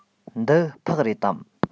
འདི ཕག རེད དམ